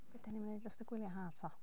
Be dan ni'n wneud dros y gwylie Haf ta?